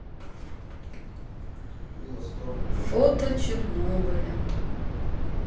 фото чернобыля